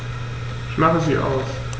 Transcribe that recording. Ich mache sie aus.